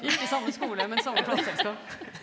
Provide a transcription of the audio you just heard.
ikke samme skole men samme plateselskap.